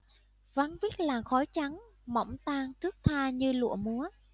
vấn vít làn khói trắng mỏng tang thướt tha như lụa múa